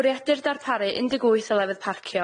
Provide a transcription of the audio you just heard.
Bwriedir darparu un deg wyth o lefydd parcio o fewn y